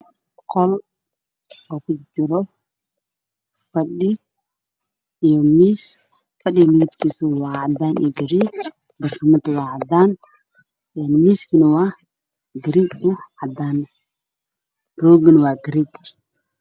Waa qol fadhigiisa yahay cadaan